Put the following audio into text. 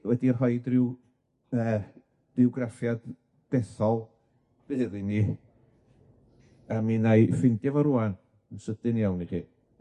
###wedi rhoid ryw yy fywgraffiad dethol byr i ni a mi wnâi ffeindio fo rŵan yn sydyn iawn i chi.